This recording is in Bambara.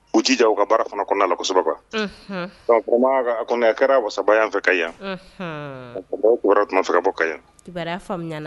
U k'u jija u ka baara fana kɔnɔna na kosɛbɛ, unhunn , vraiment a koni kɛra waasa ba ye an fɛ yan Kayes , unhun, donc o kibaruya don ka bɔ an fɛ yan .Kibaruya faamuya la.